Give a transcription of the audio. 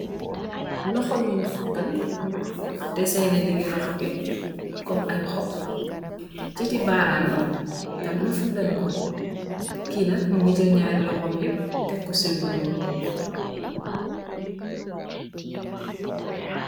Loho young foudan desene diggi loho bi com aye cop titi barram wi tam nyou fordan ko ki nak mougui jeil nyarri loham we yep tekko ci lou nyull